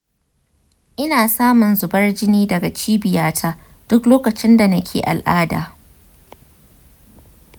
ina samun zubar jini daga cibiyata duk lokacin da nake al’ada.